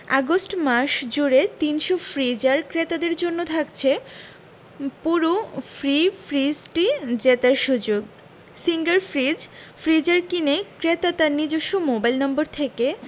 August মাস জুড়ে ৩০০ freezer ক্রেতাদের জন্য থাকছে পুরো ফ্রি ফ্রিজটি জেতার সুযোগ সিঙ্গার ফ্রিজ ফ্রিজার কিনে ক্রেতা তার নিজস্ব মোবাইল নম্বর থেকে